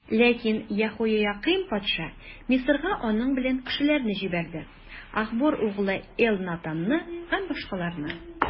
Ләкин Яһоякыйм патша Мисырга аның белән кешеләрне җибәрде: Ахбор углы Элнатанны һәм башкаларны.